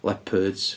Leopards.